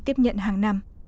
tiếp nhận hàng năm